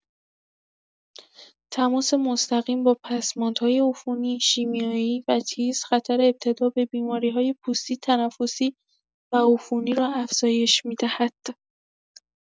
تماس مستقیم با پسماندهای عفونی، شیمیایی و تیز، خطر ابتلا به بیماری‌های پوستی، تنفسی و عفونی را افزایش می‌دهد.